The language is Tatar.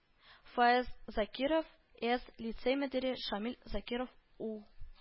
Фаяз Закиров эс, лицей мөдире Шамил Закиров у